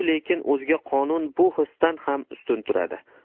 lekin o'zga qonun bu hisdan ham ustun turadi